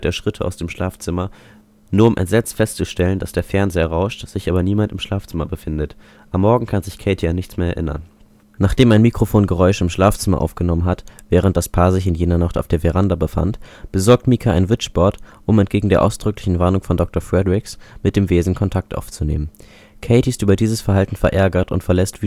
Schritte aus dem Schlafzimmer, nur um entsetzt festzustellen, dass der Fernseher rauscht, sich aber niemand im Schlafzimmer befindet. Am Morgen kann sich Katie an nichts mehr erinnern. Nachdem ein Mikrofon Geräusche im Schlafzimmer aufgenommen hat, während das Paar sich in jener Nacht auf der Veranda befand, besorgt Micah ein Witchboard, um – entgegen der ausdrücklichen Warnung von Dr. Fredrichs – mit dem Wesen Kontakt aufzunehmen. Katie ist über dieses Verhalten verärgert und verlässt